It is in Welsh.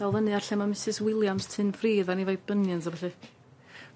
Dal fyny ar lle ma' Misys Williams Tyn Ffridd ani efo'i bunions a ballu.